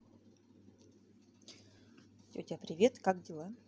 тетя привет как дела